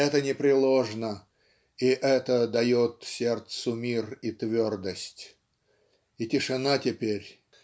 Это непреложно, и это дает сердцу мир и твердость. И тишина теперь